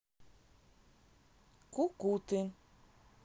кукуты